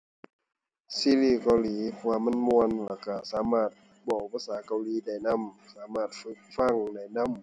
ซีรีส์เกาหลี เพราะว่ามันม่วนแล้วก็สามารถเว้าภาษาเกาหลีได้นำ สามารถฝึกฟังได้นำ